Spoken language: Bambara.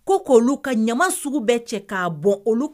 Ko k'olu ka ɲama sugu bɛɛ cɛ ka bɔ olu